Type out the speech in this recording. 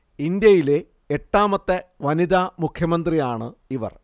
ഇന്ത്യയിലെ എട്ടാമത്തെ വനിതാ മുഖ്യമന്ത്രിയാണ് ഇവർ